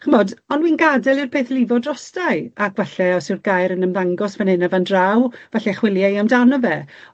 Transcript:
Ch'mod, on' wi'n gad'el i'r peth lifo drostai, ac falle os yw'r gair yn ymddangos fan 'yn a fan draw falle chwiliai amdano fe.